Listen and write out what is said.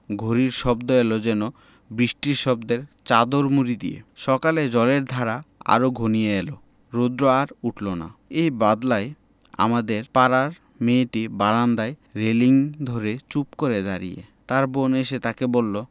ঘড়ির শব্দ এল যেন বৃষ্টির শব্দের চাদর মুড়ি দিয়ে সকালে জলের ধারা আরো ঘনিয়ে এল রোদ্র আর উঠল না এই বাদলায় আমাদের পাড়ার মেয়েটি বারান্দায় রেলিঙ ধরে চুপ করে দাঁড়িয়ে তার বোন এসে তাকে বলল